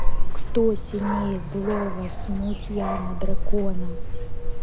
кто сильнее злого смутьяна дракона